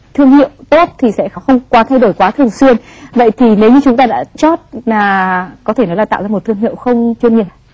thương hiệu tốt thì sẽ không quá thay đổi quá thường xuyên vậy thì nếu như chúng ta đã chót là có thể nó đã tạo nên một thương hiệu không chuyên nghiệp